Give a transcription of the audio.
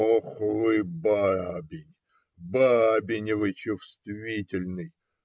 - Ах вы, бабень, бабень вы чувствительный!